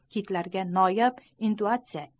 kitlarga noyob intuitsiya